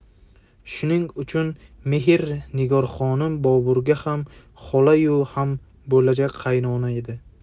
shuning uchun mehr nigor xonim boburga ham xola yu ham bo'lajak qaynona edi